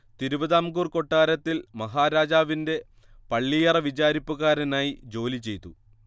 തിരുവിതാംകൂർ കൊട്ടാരത്തിൽ മഹാരാജാവിന്റെ പള്ളിയറ വിചാരിപ്പുകാരനായി ജോലി ചെയ്തു